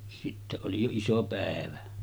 sitten oli jo iso päivä